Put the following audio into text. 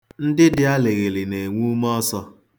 Ndi dị alịghịlị na-enwe ume ọsọ.